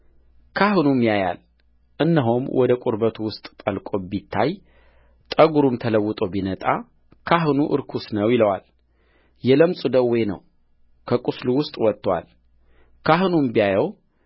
ካህኑም ያያል እነሆም ወደ ቁርበቱ ውስጥ ጠልቆ ቢታይ ጠጕሩም ተለውጦ ቢነጣ ካህኑ ርኩስ ነው ይለዋል የለምጽ ደዌ ነው ከቍስሉ ውስጥ ወጥቶአልካህኑም ቢያየው